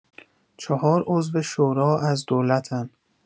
چهار عضو شورا از دولتن